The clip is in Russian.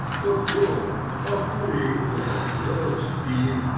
побег, а пуля ему вдогонку, да в спину.